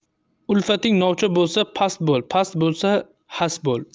ulfating novcha bo'lsa past bo'l past bo'lsa xas bo'l